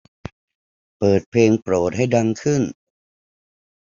เปิดเพลงโปรดให้ดังขึ้น